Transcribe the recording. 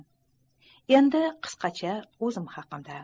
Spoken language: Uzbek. endi qisqacha o'zim haqimda